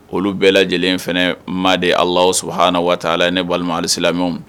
Olu bɛɛ lajɛlen in fana ma de ala sɔrɔhaana waa ala ye ne walima alisilaw